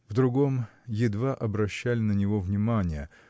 В другом – едва обращали на него внимание